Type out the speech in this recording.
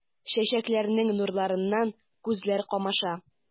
Чәчәкләрнең нурларыннан күзләр камаша.